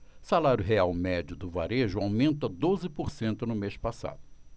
salário real médio do varejo aumenta doze por cento no mês passado